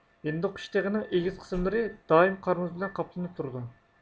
ھىندىقۇش تېغىنىڭ ئېگىز قىسىملىرى دائىم قار مۇز بىلەن قاپلىنىپ تۇرىدۇ